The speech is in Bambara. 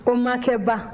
o ma kɛ ban